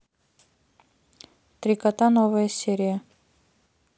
три кота новая серия